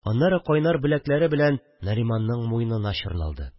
Аннары кайнар беләкләре белән Нариманның муенына чорналды